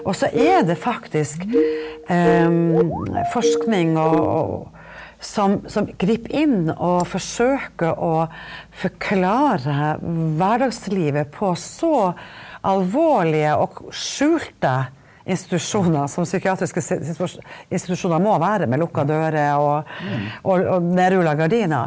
også er det faktisk forskning og og som som griper inn og forsøker å forklare hverdagslivet på så alvorlige og skjulte institusjoner som psykiatriske institusjoner må være med lukka dører og og og nedrulla gardenier.